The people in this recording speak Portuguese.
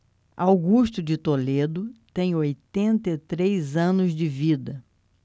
augusto de toledo tem oitenta e três anos de vida